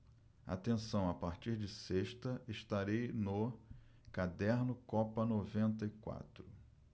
atenção a partir de sexta estarei no caderno copa noventa e quatro